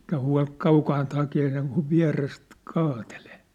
eikä huoli kaukaa hakea sen kuin vierestä kaatelee